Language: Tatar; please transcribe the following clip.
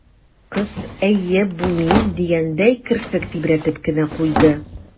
Кыз, «әйе, бу мин» дигәндәй, керфек тибрәтеп кенә куйды.